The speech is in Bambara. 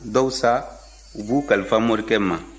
dɔw sa u b'u kalifa morikɛ ma